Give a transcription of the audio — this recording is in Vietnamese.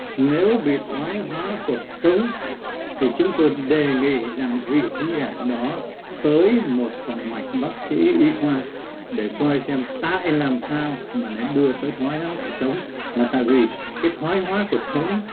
nếu bị thoái hóa cột sống thì chúng tôi đề nghị rằng vị thính giả đó tới một phòng mạch bác sĩ y khoa để coi xem tại làm sao mà lại đưa tới thoái hóa cột sống là tại vì cái thoái hóa cột sống